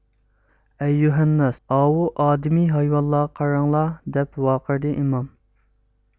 ئەييۇھەنناس ئاۋۇ ئادىمىي ھايۋانغا قاراڭلار دەپ ۋارقىرىدى ئىمام